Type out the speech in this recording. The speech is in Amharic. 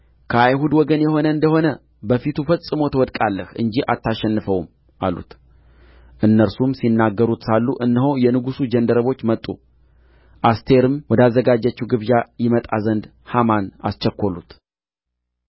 ከአይሁድ ወገን የሆነ እንደ ሆነ በፊቱ ፈጽሞ ትወድቃለህ እንጂ አታሸንፈውም አሉት እነርሱም ሲናገሩት ሳሉ እነሆ የንጉሡ ጃንደረቦች መጡ አስቴርም ወዳዘጋጀችው ግብዣ ይመጣ ዘንድ ሐማን አስቸኰሉት